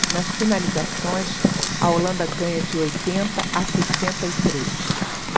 nas finalizações a holanda ganha de oitenta a sessenta e três